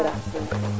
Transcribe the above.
Fatou Tall